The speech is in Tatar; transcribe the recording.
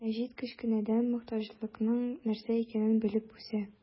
Мәҗит кечкенәдән мохтаҗлыкның нәрсә икәнен белеп үсә.